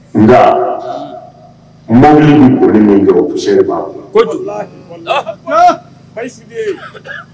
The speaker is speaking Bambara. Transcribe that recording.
Nka ma ko ni min jɔ se